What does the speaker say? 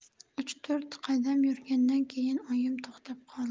uch to'rt qadam yurgandan keyin oyim to'xtab qoldi